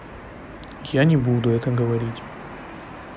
я тебе въебал блять